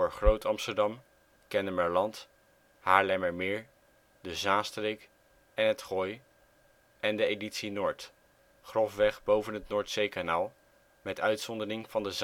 Groot-Amsterdam, Kennemerland, Haarlemmermeer, de Zaanstreek en het Gooi, en de editie Noord: grofweg boven het Noordzeekanaal, met uitzondering van de